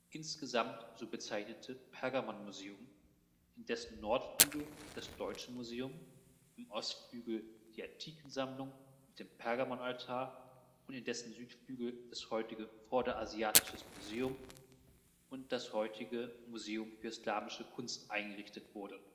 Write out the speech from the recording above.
insgesamt so bezeichnete Pergamonmuseum, in dessen Nordflügel das Deutsche Museum, im Ostflügel die Antikensammlung mit dem Pergamonaltar und in dessen Südflügel das heutige Vorderasiatisches Museum und das heutige Museum für Islamische Kunst eingerichtet wurden